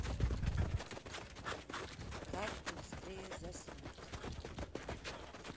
как быстрее заснуть